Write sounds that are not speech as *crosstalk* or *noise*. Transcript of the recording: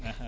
*hesitation* *hesitation*